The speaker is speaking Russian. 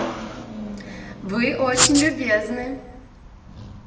вы очень любезны